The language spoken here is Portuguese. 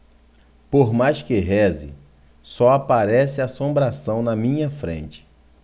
por mais que reze só aparece assombração na minha frente